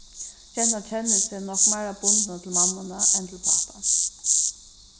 gentan kennir seg nokk meira bundna til mammuna enn til pápan